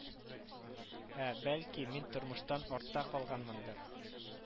Ә, бәлки, мин тормыштан артта калганмындыр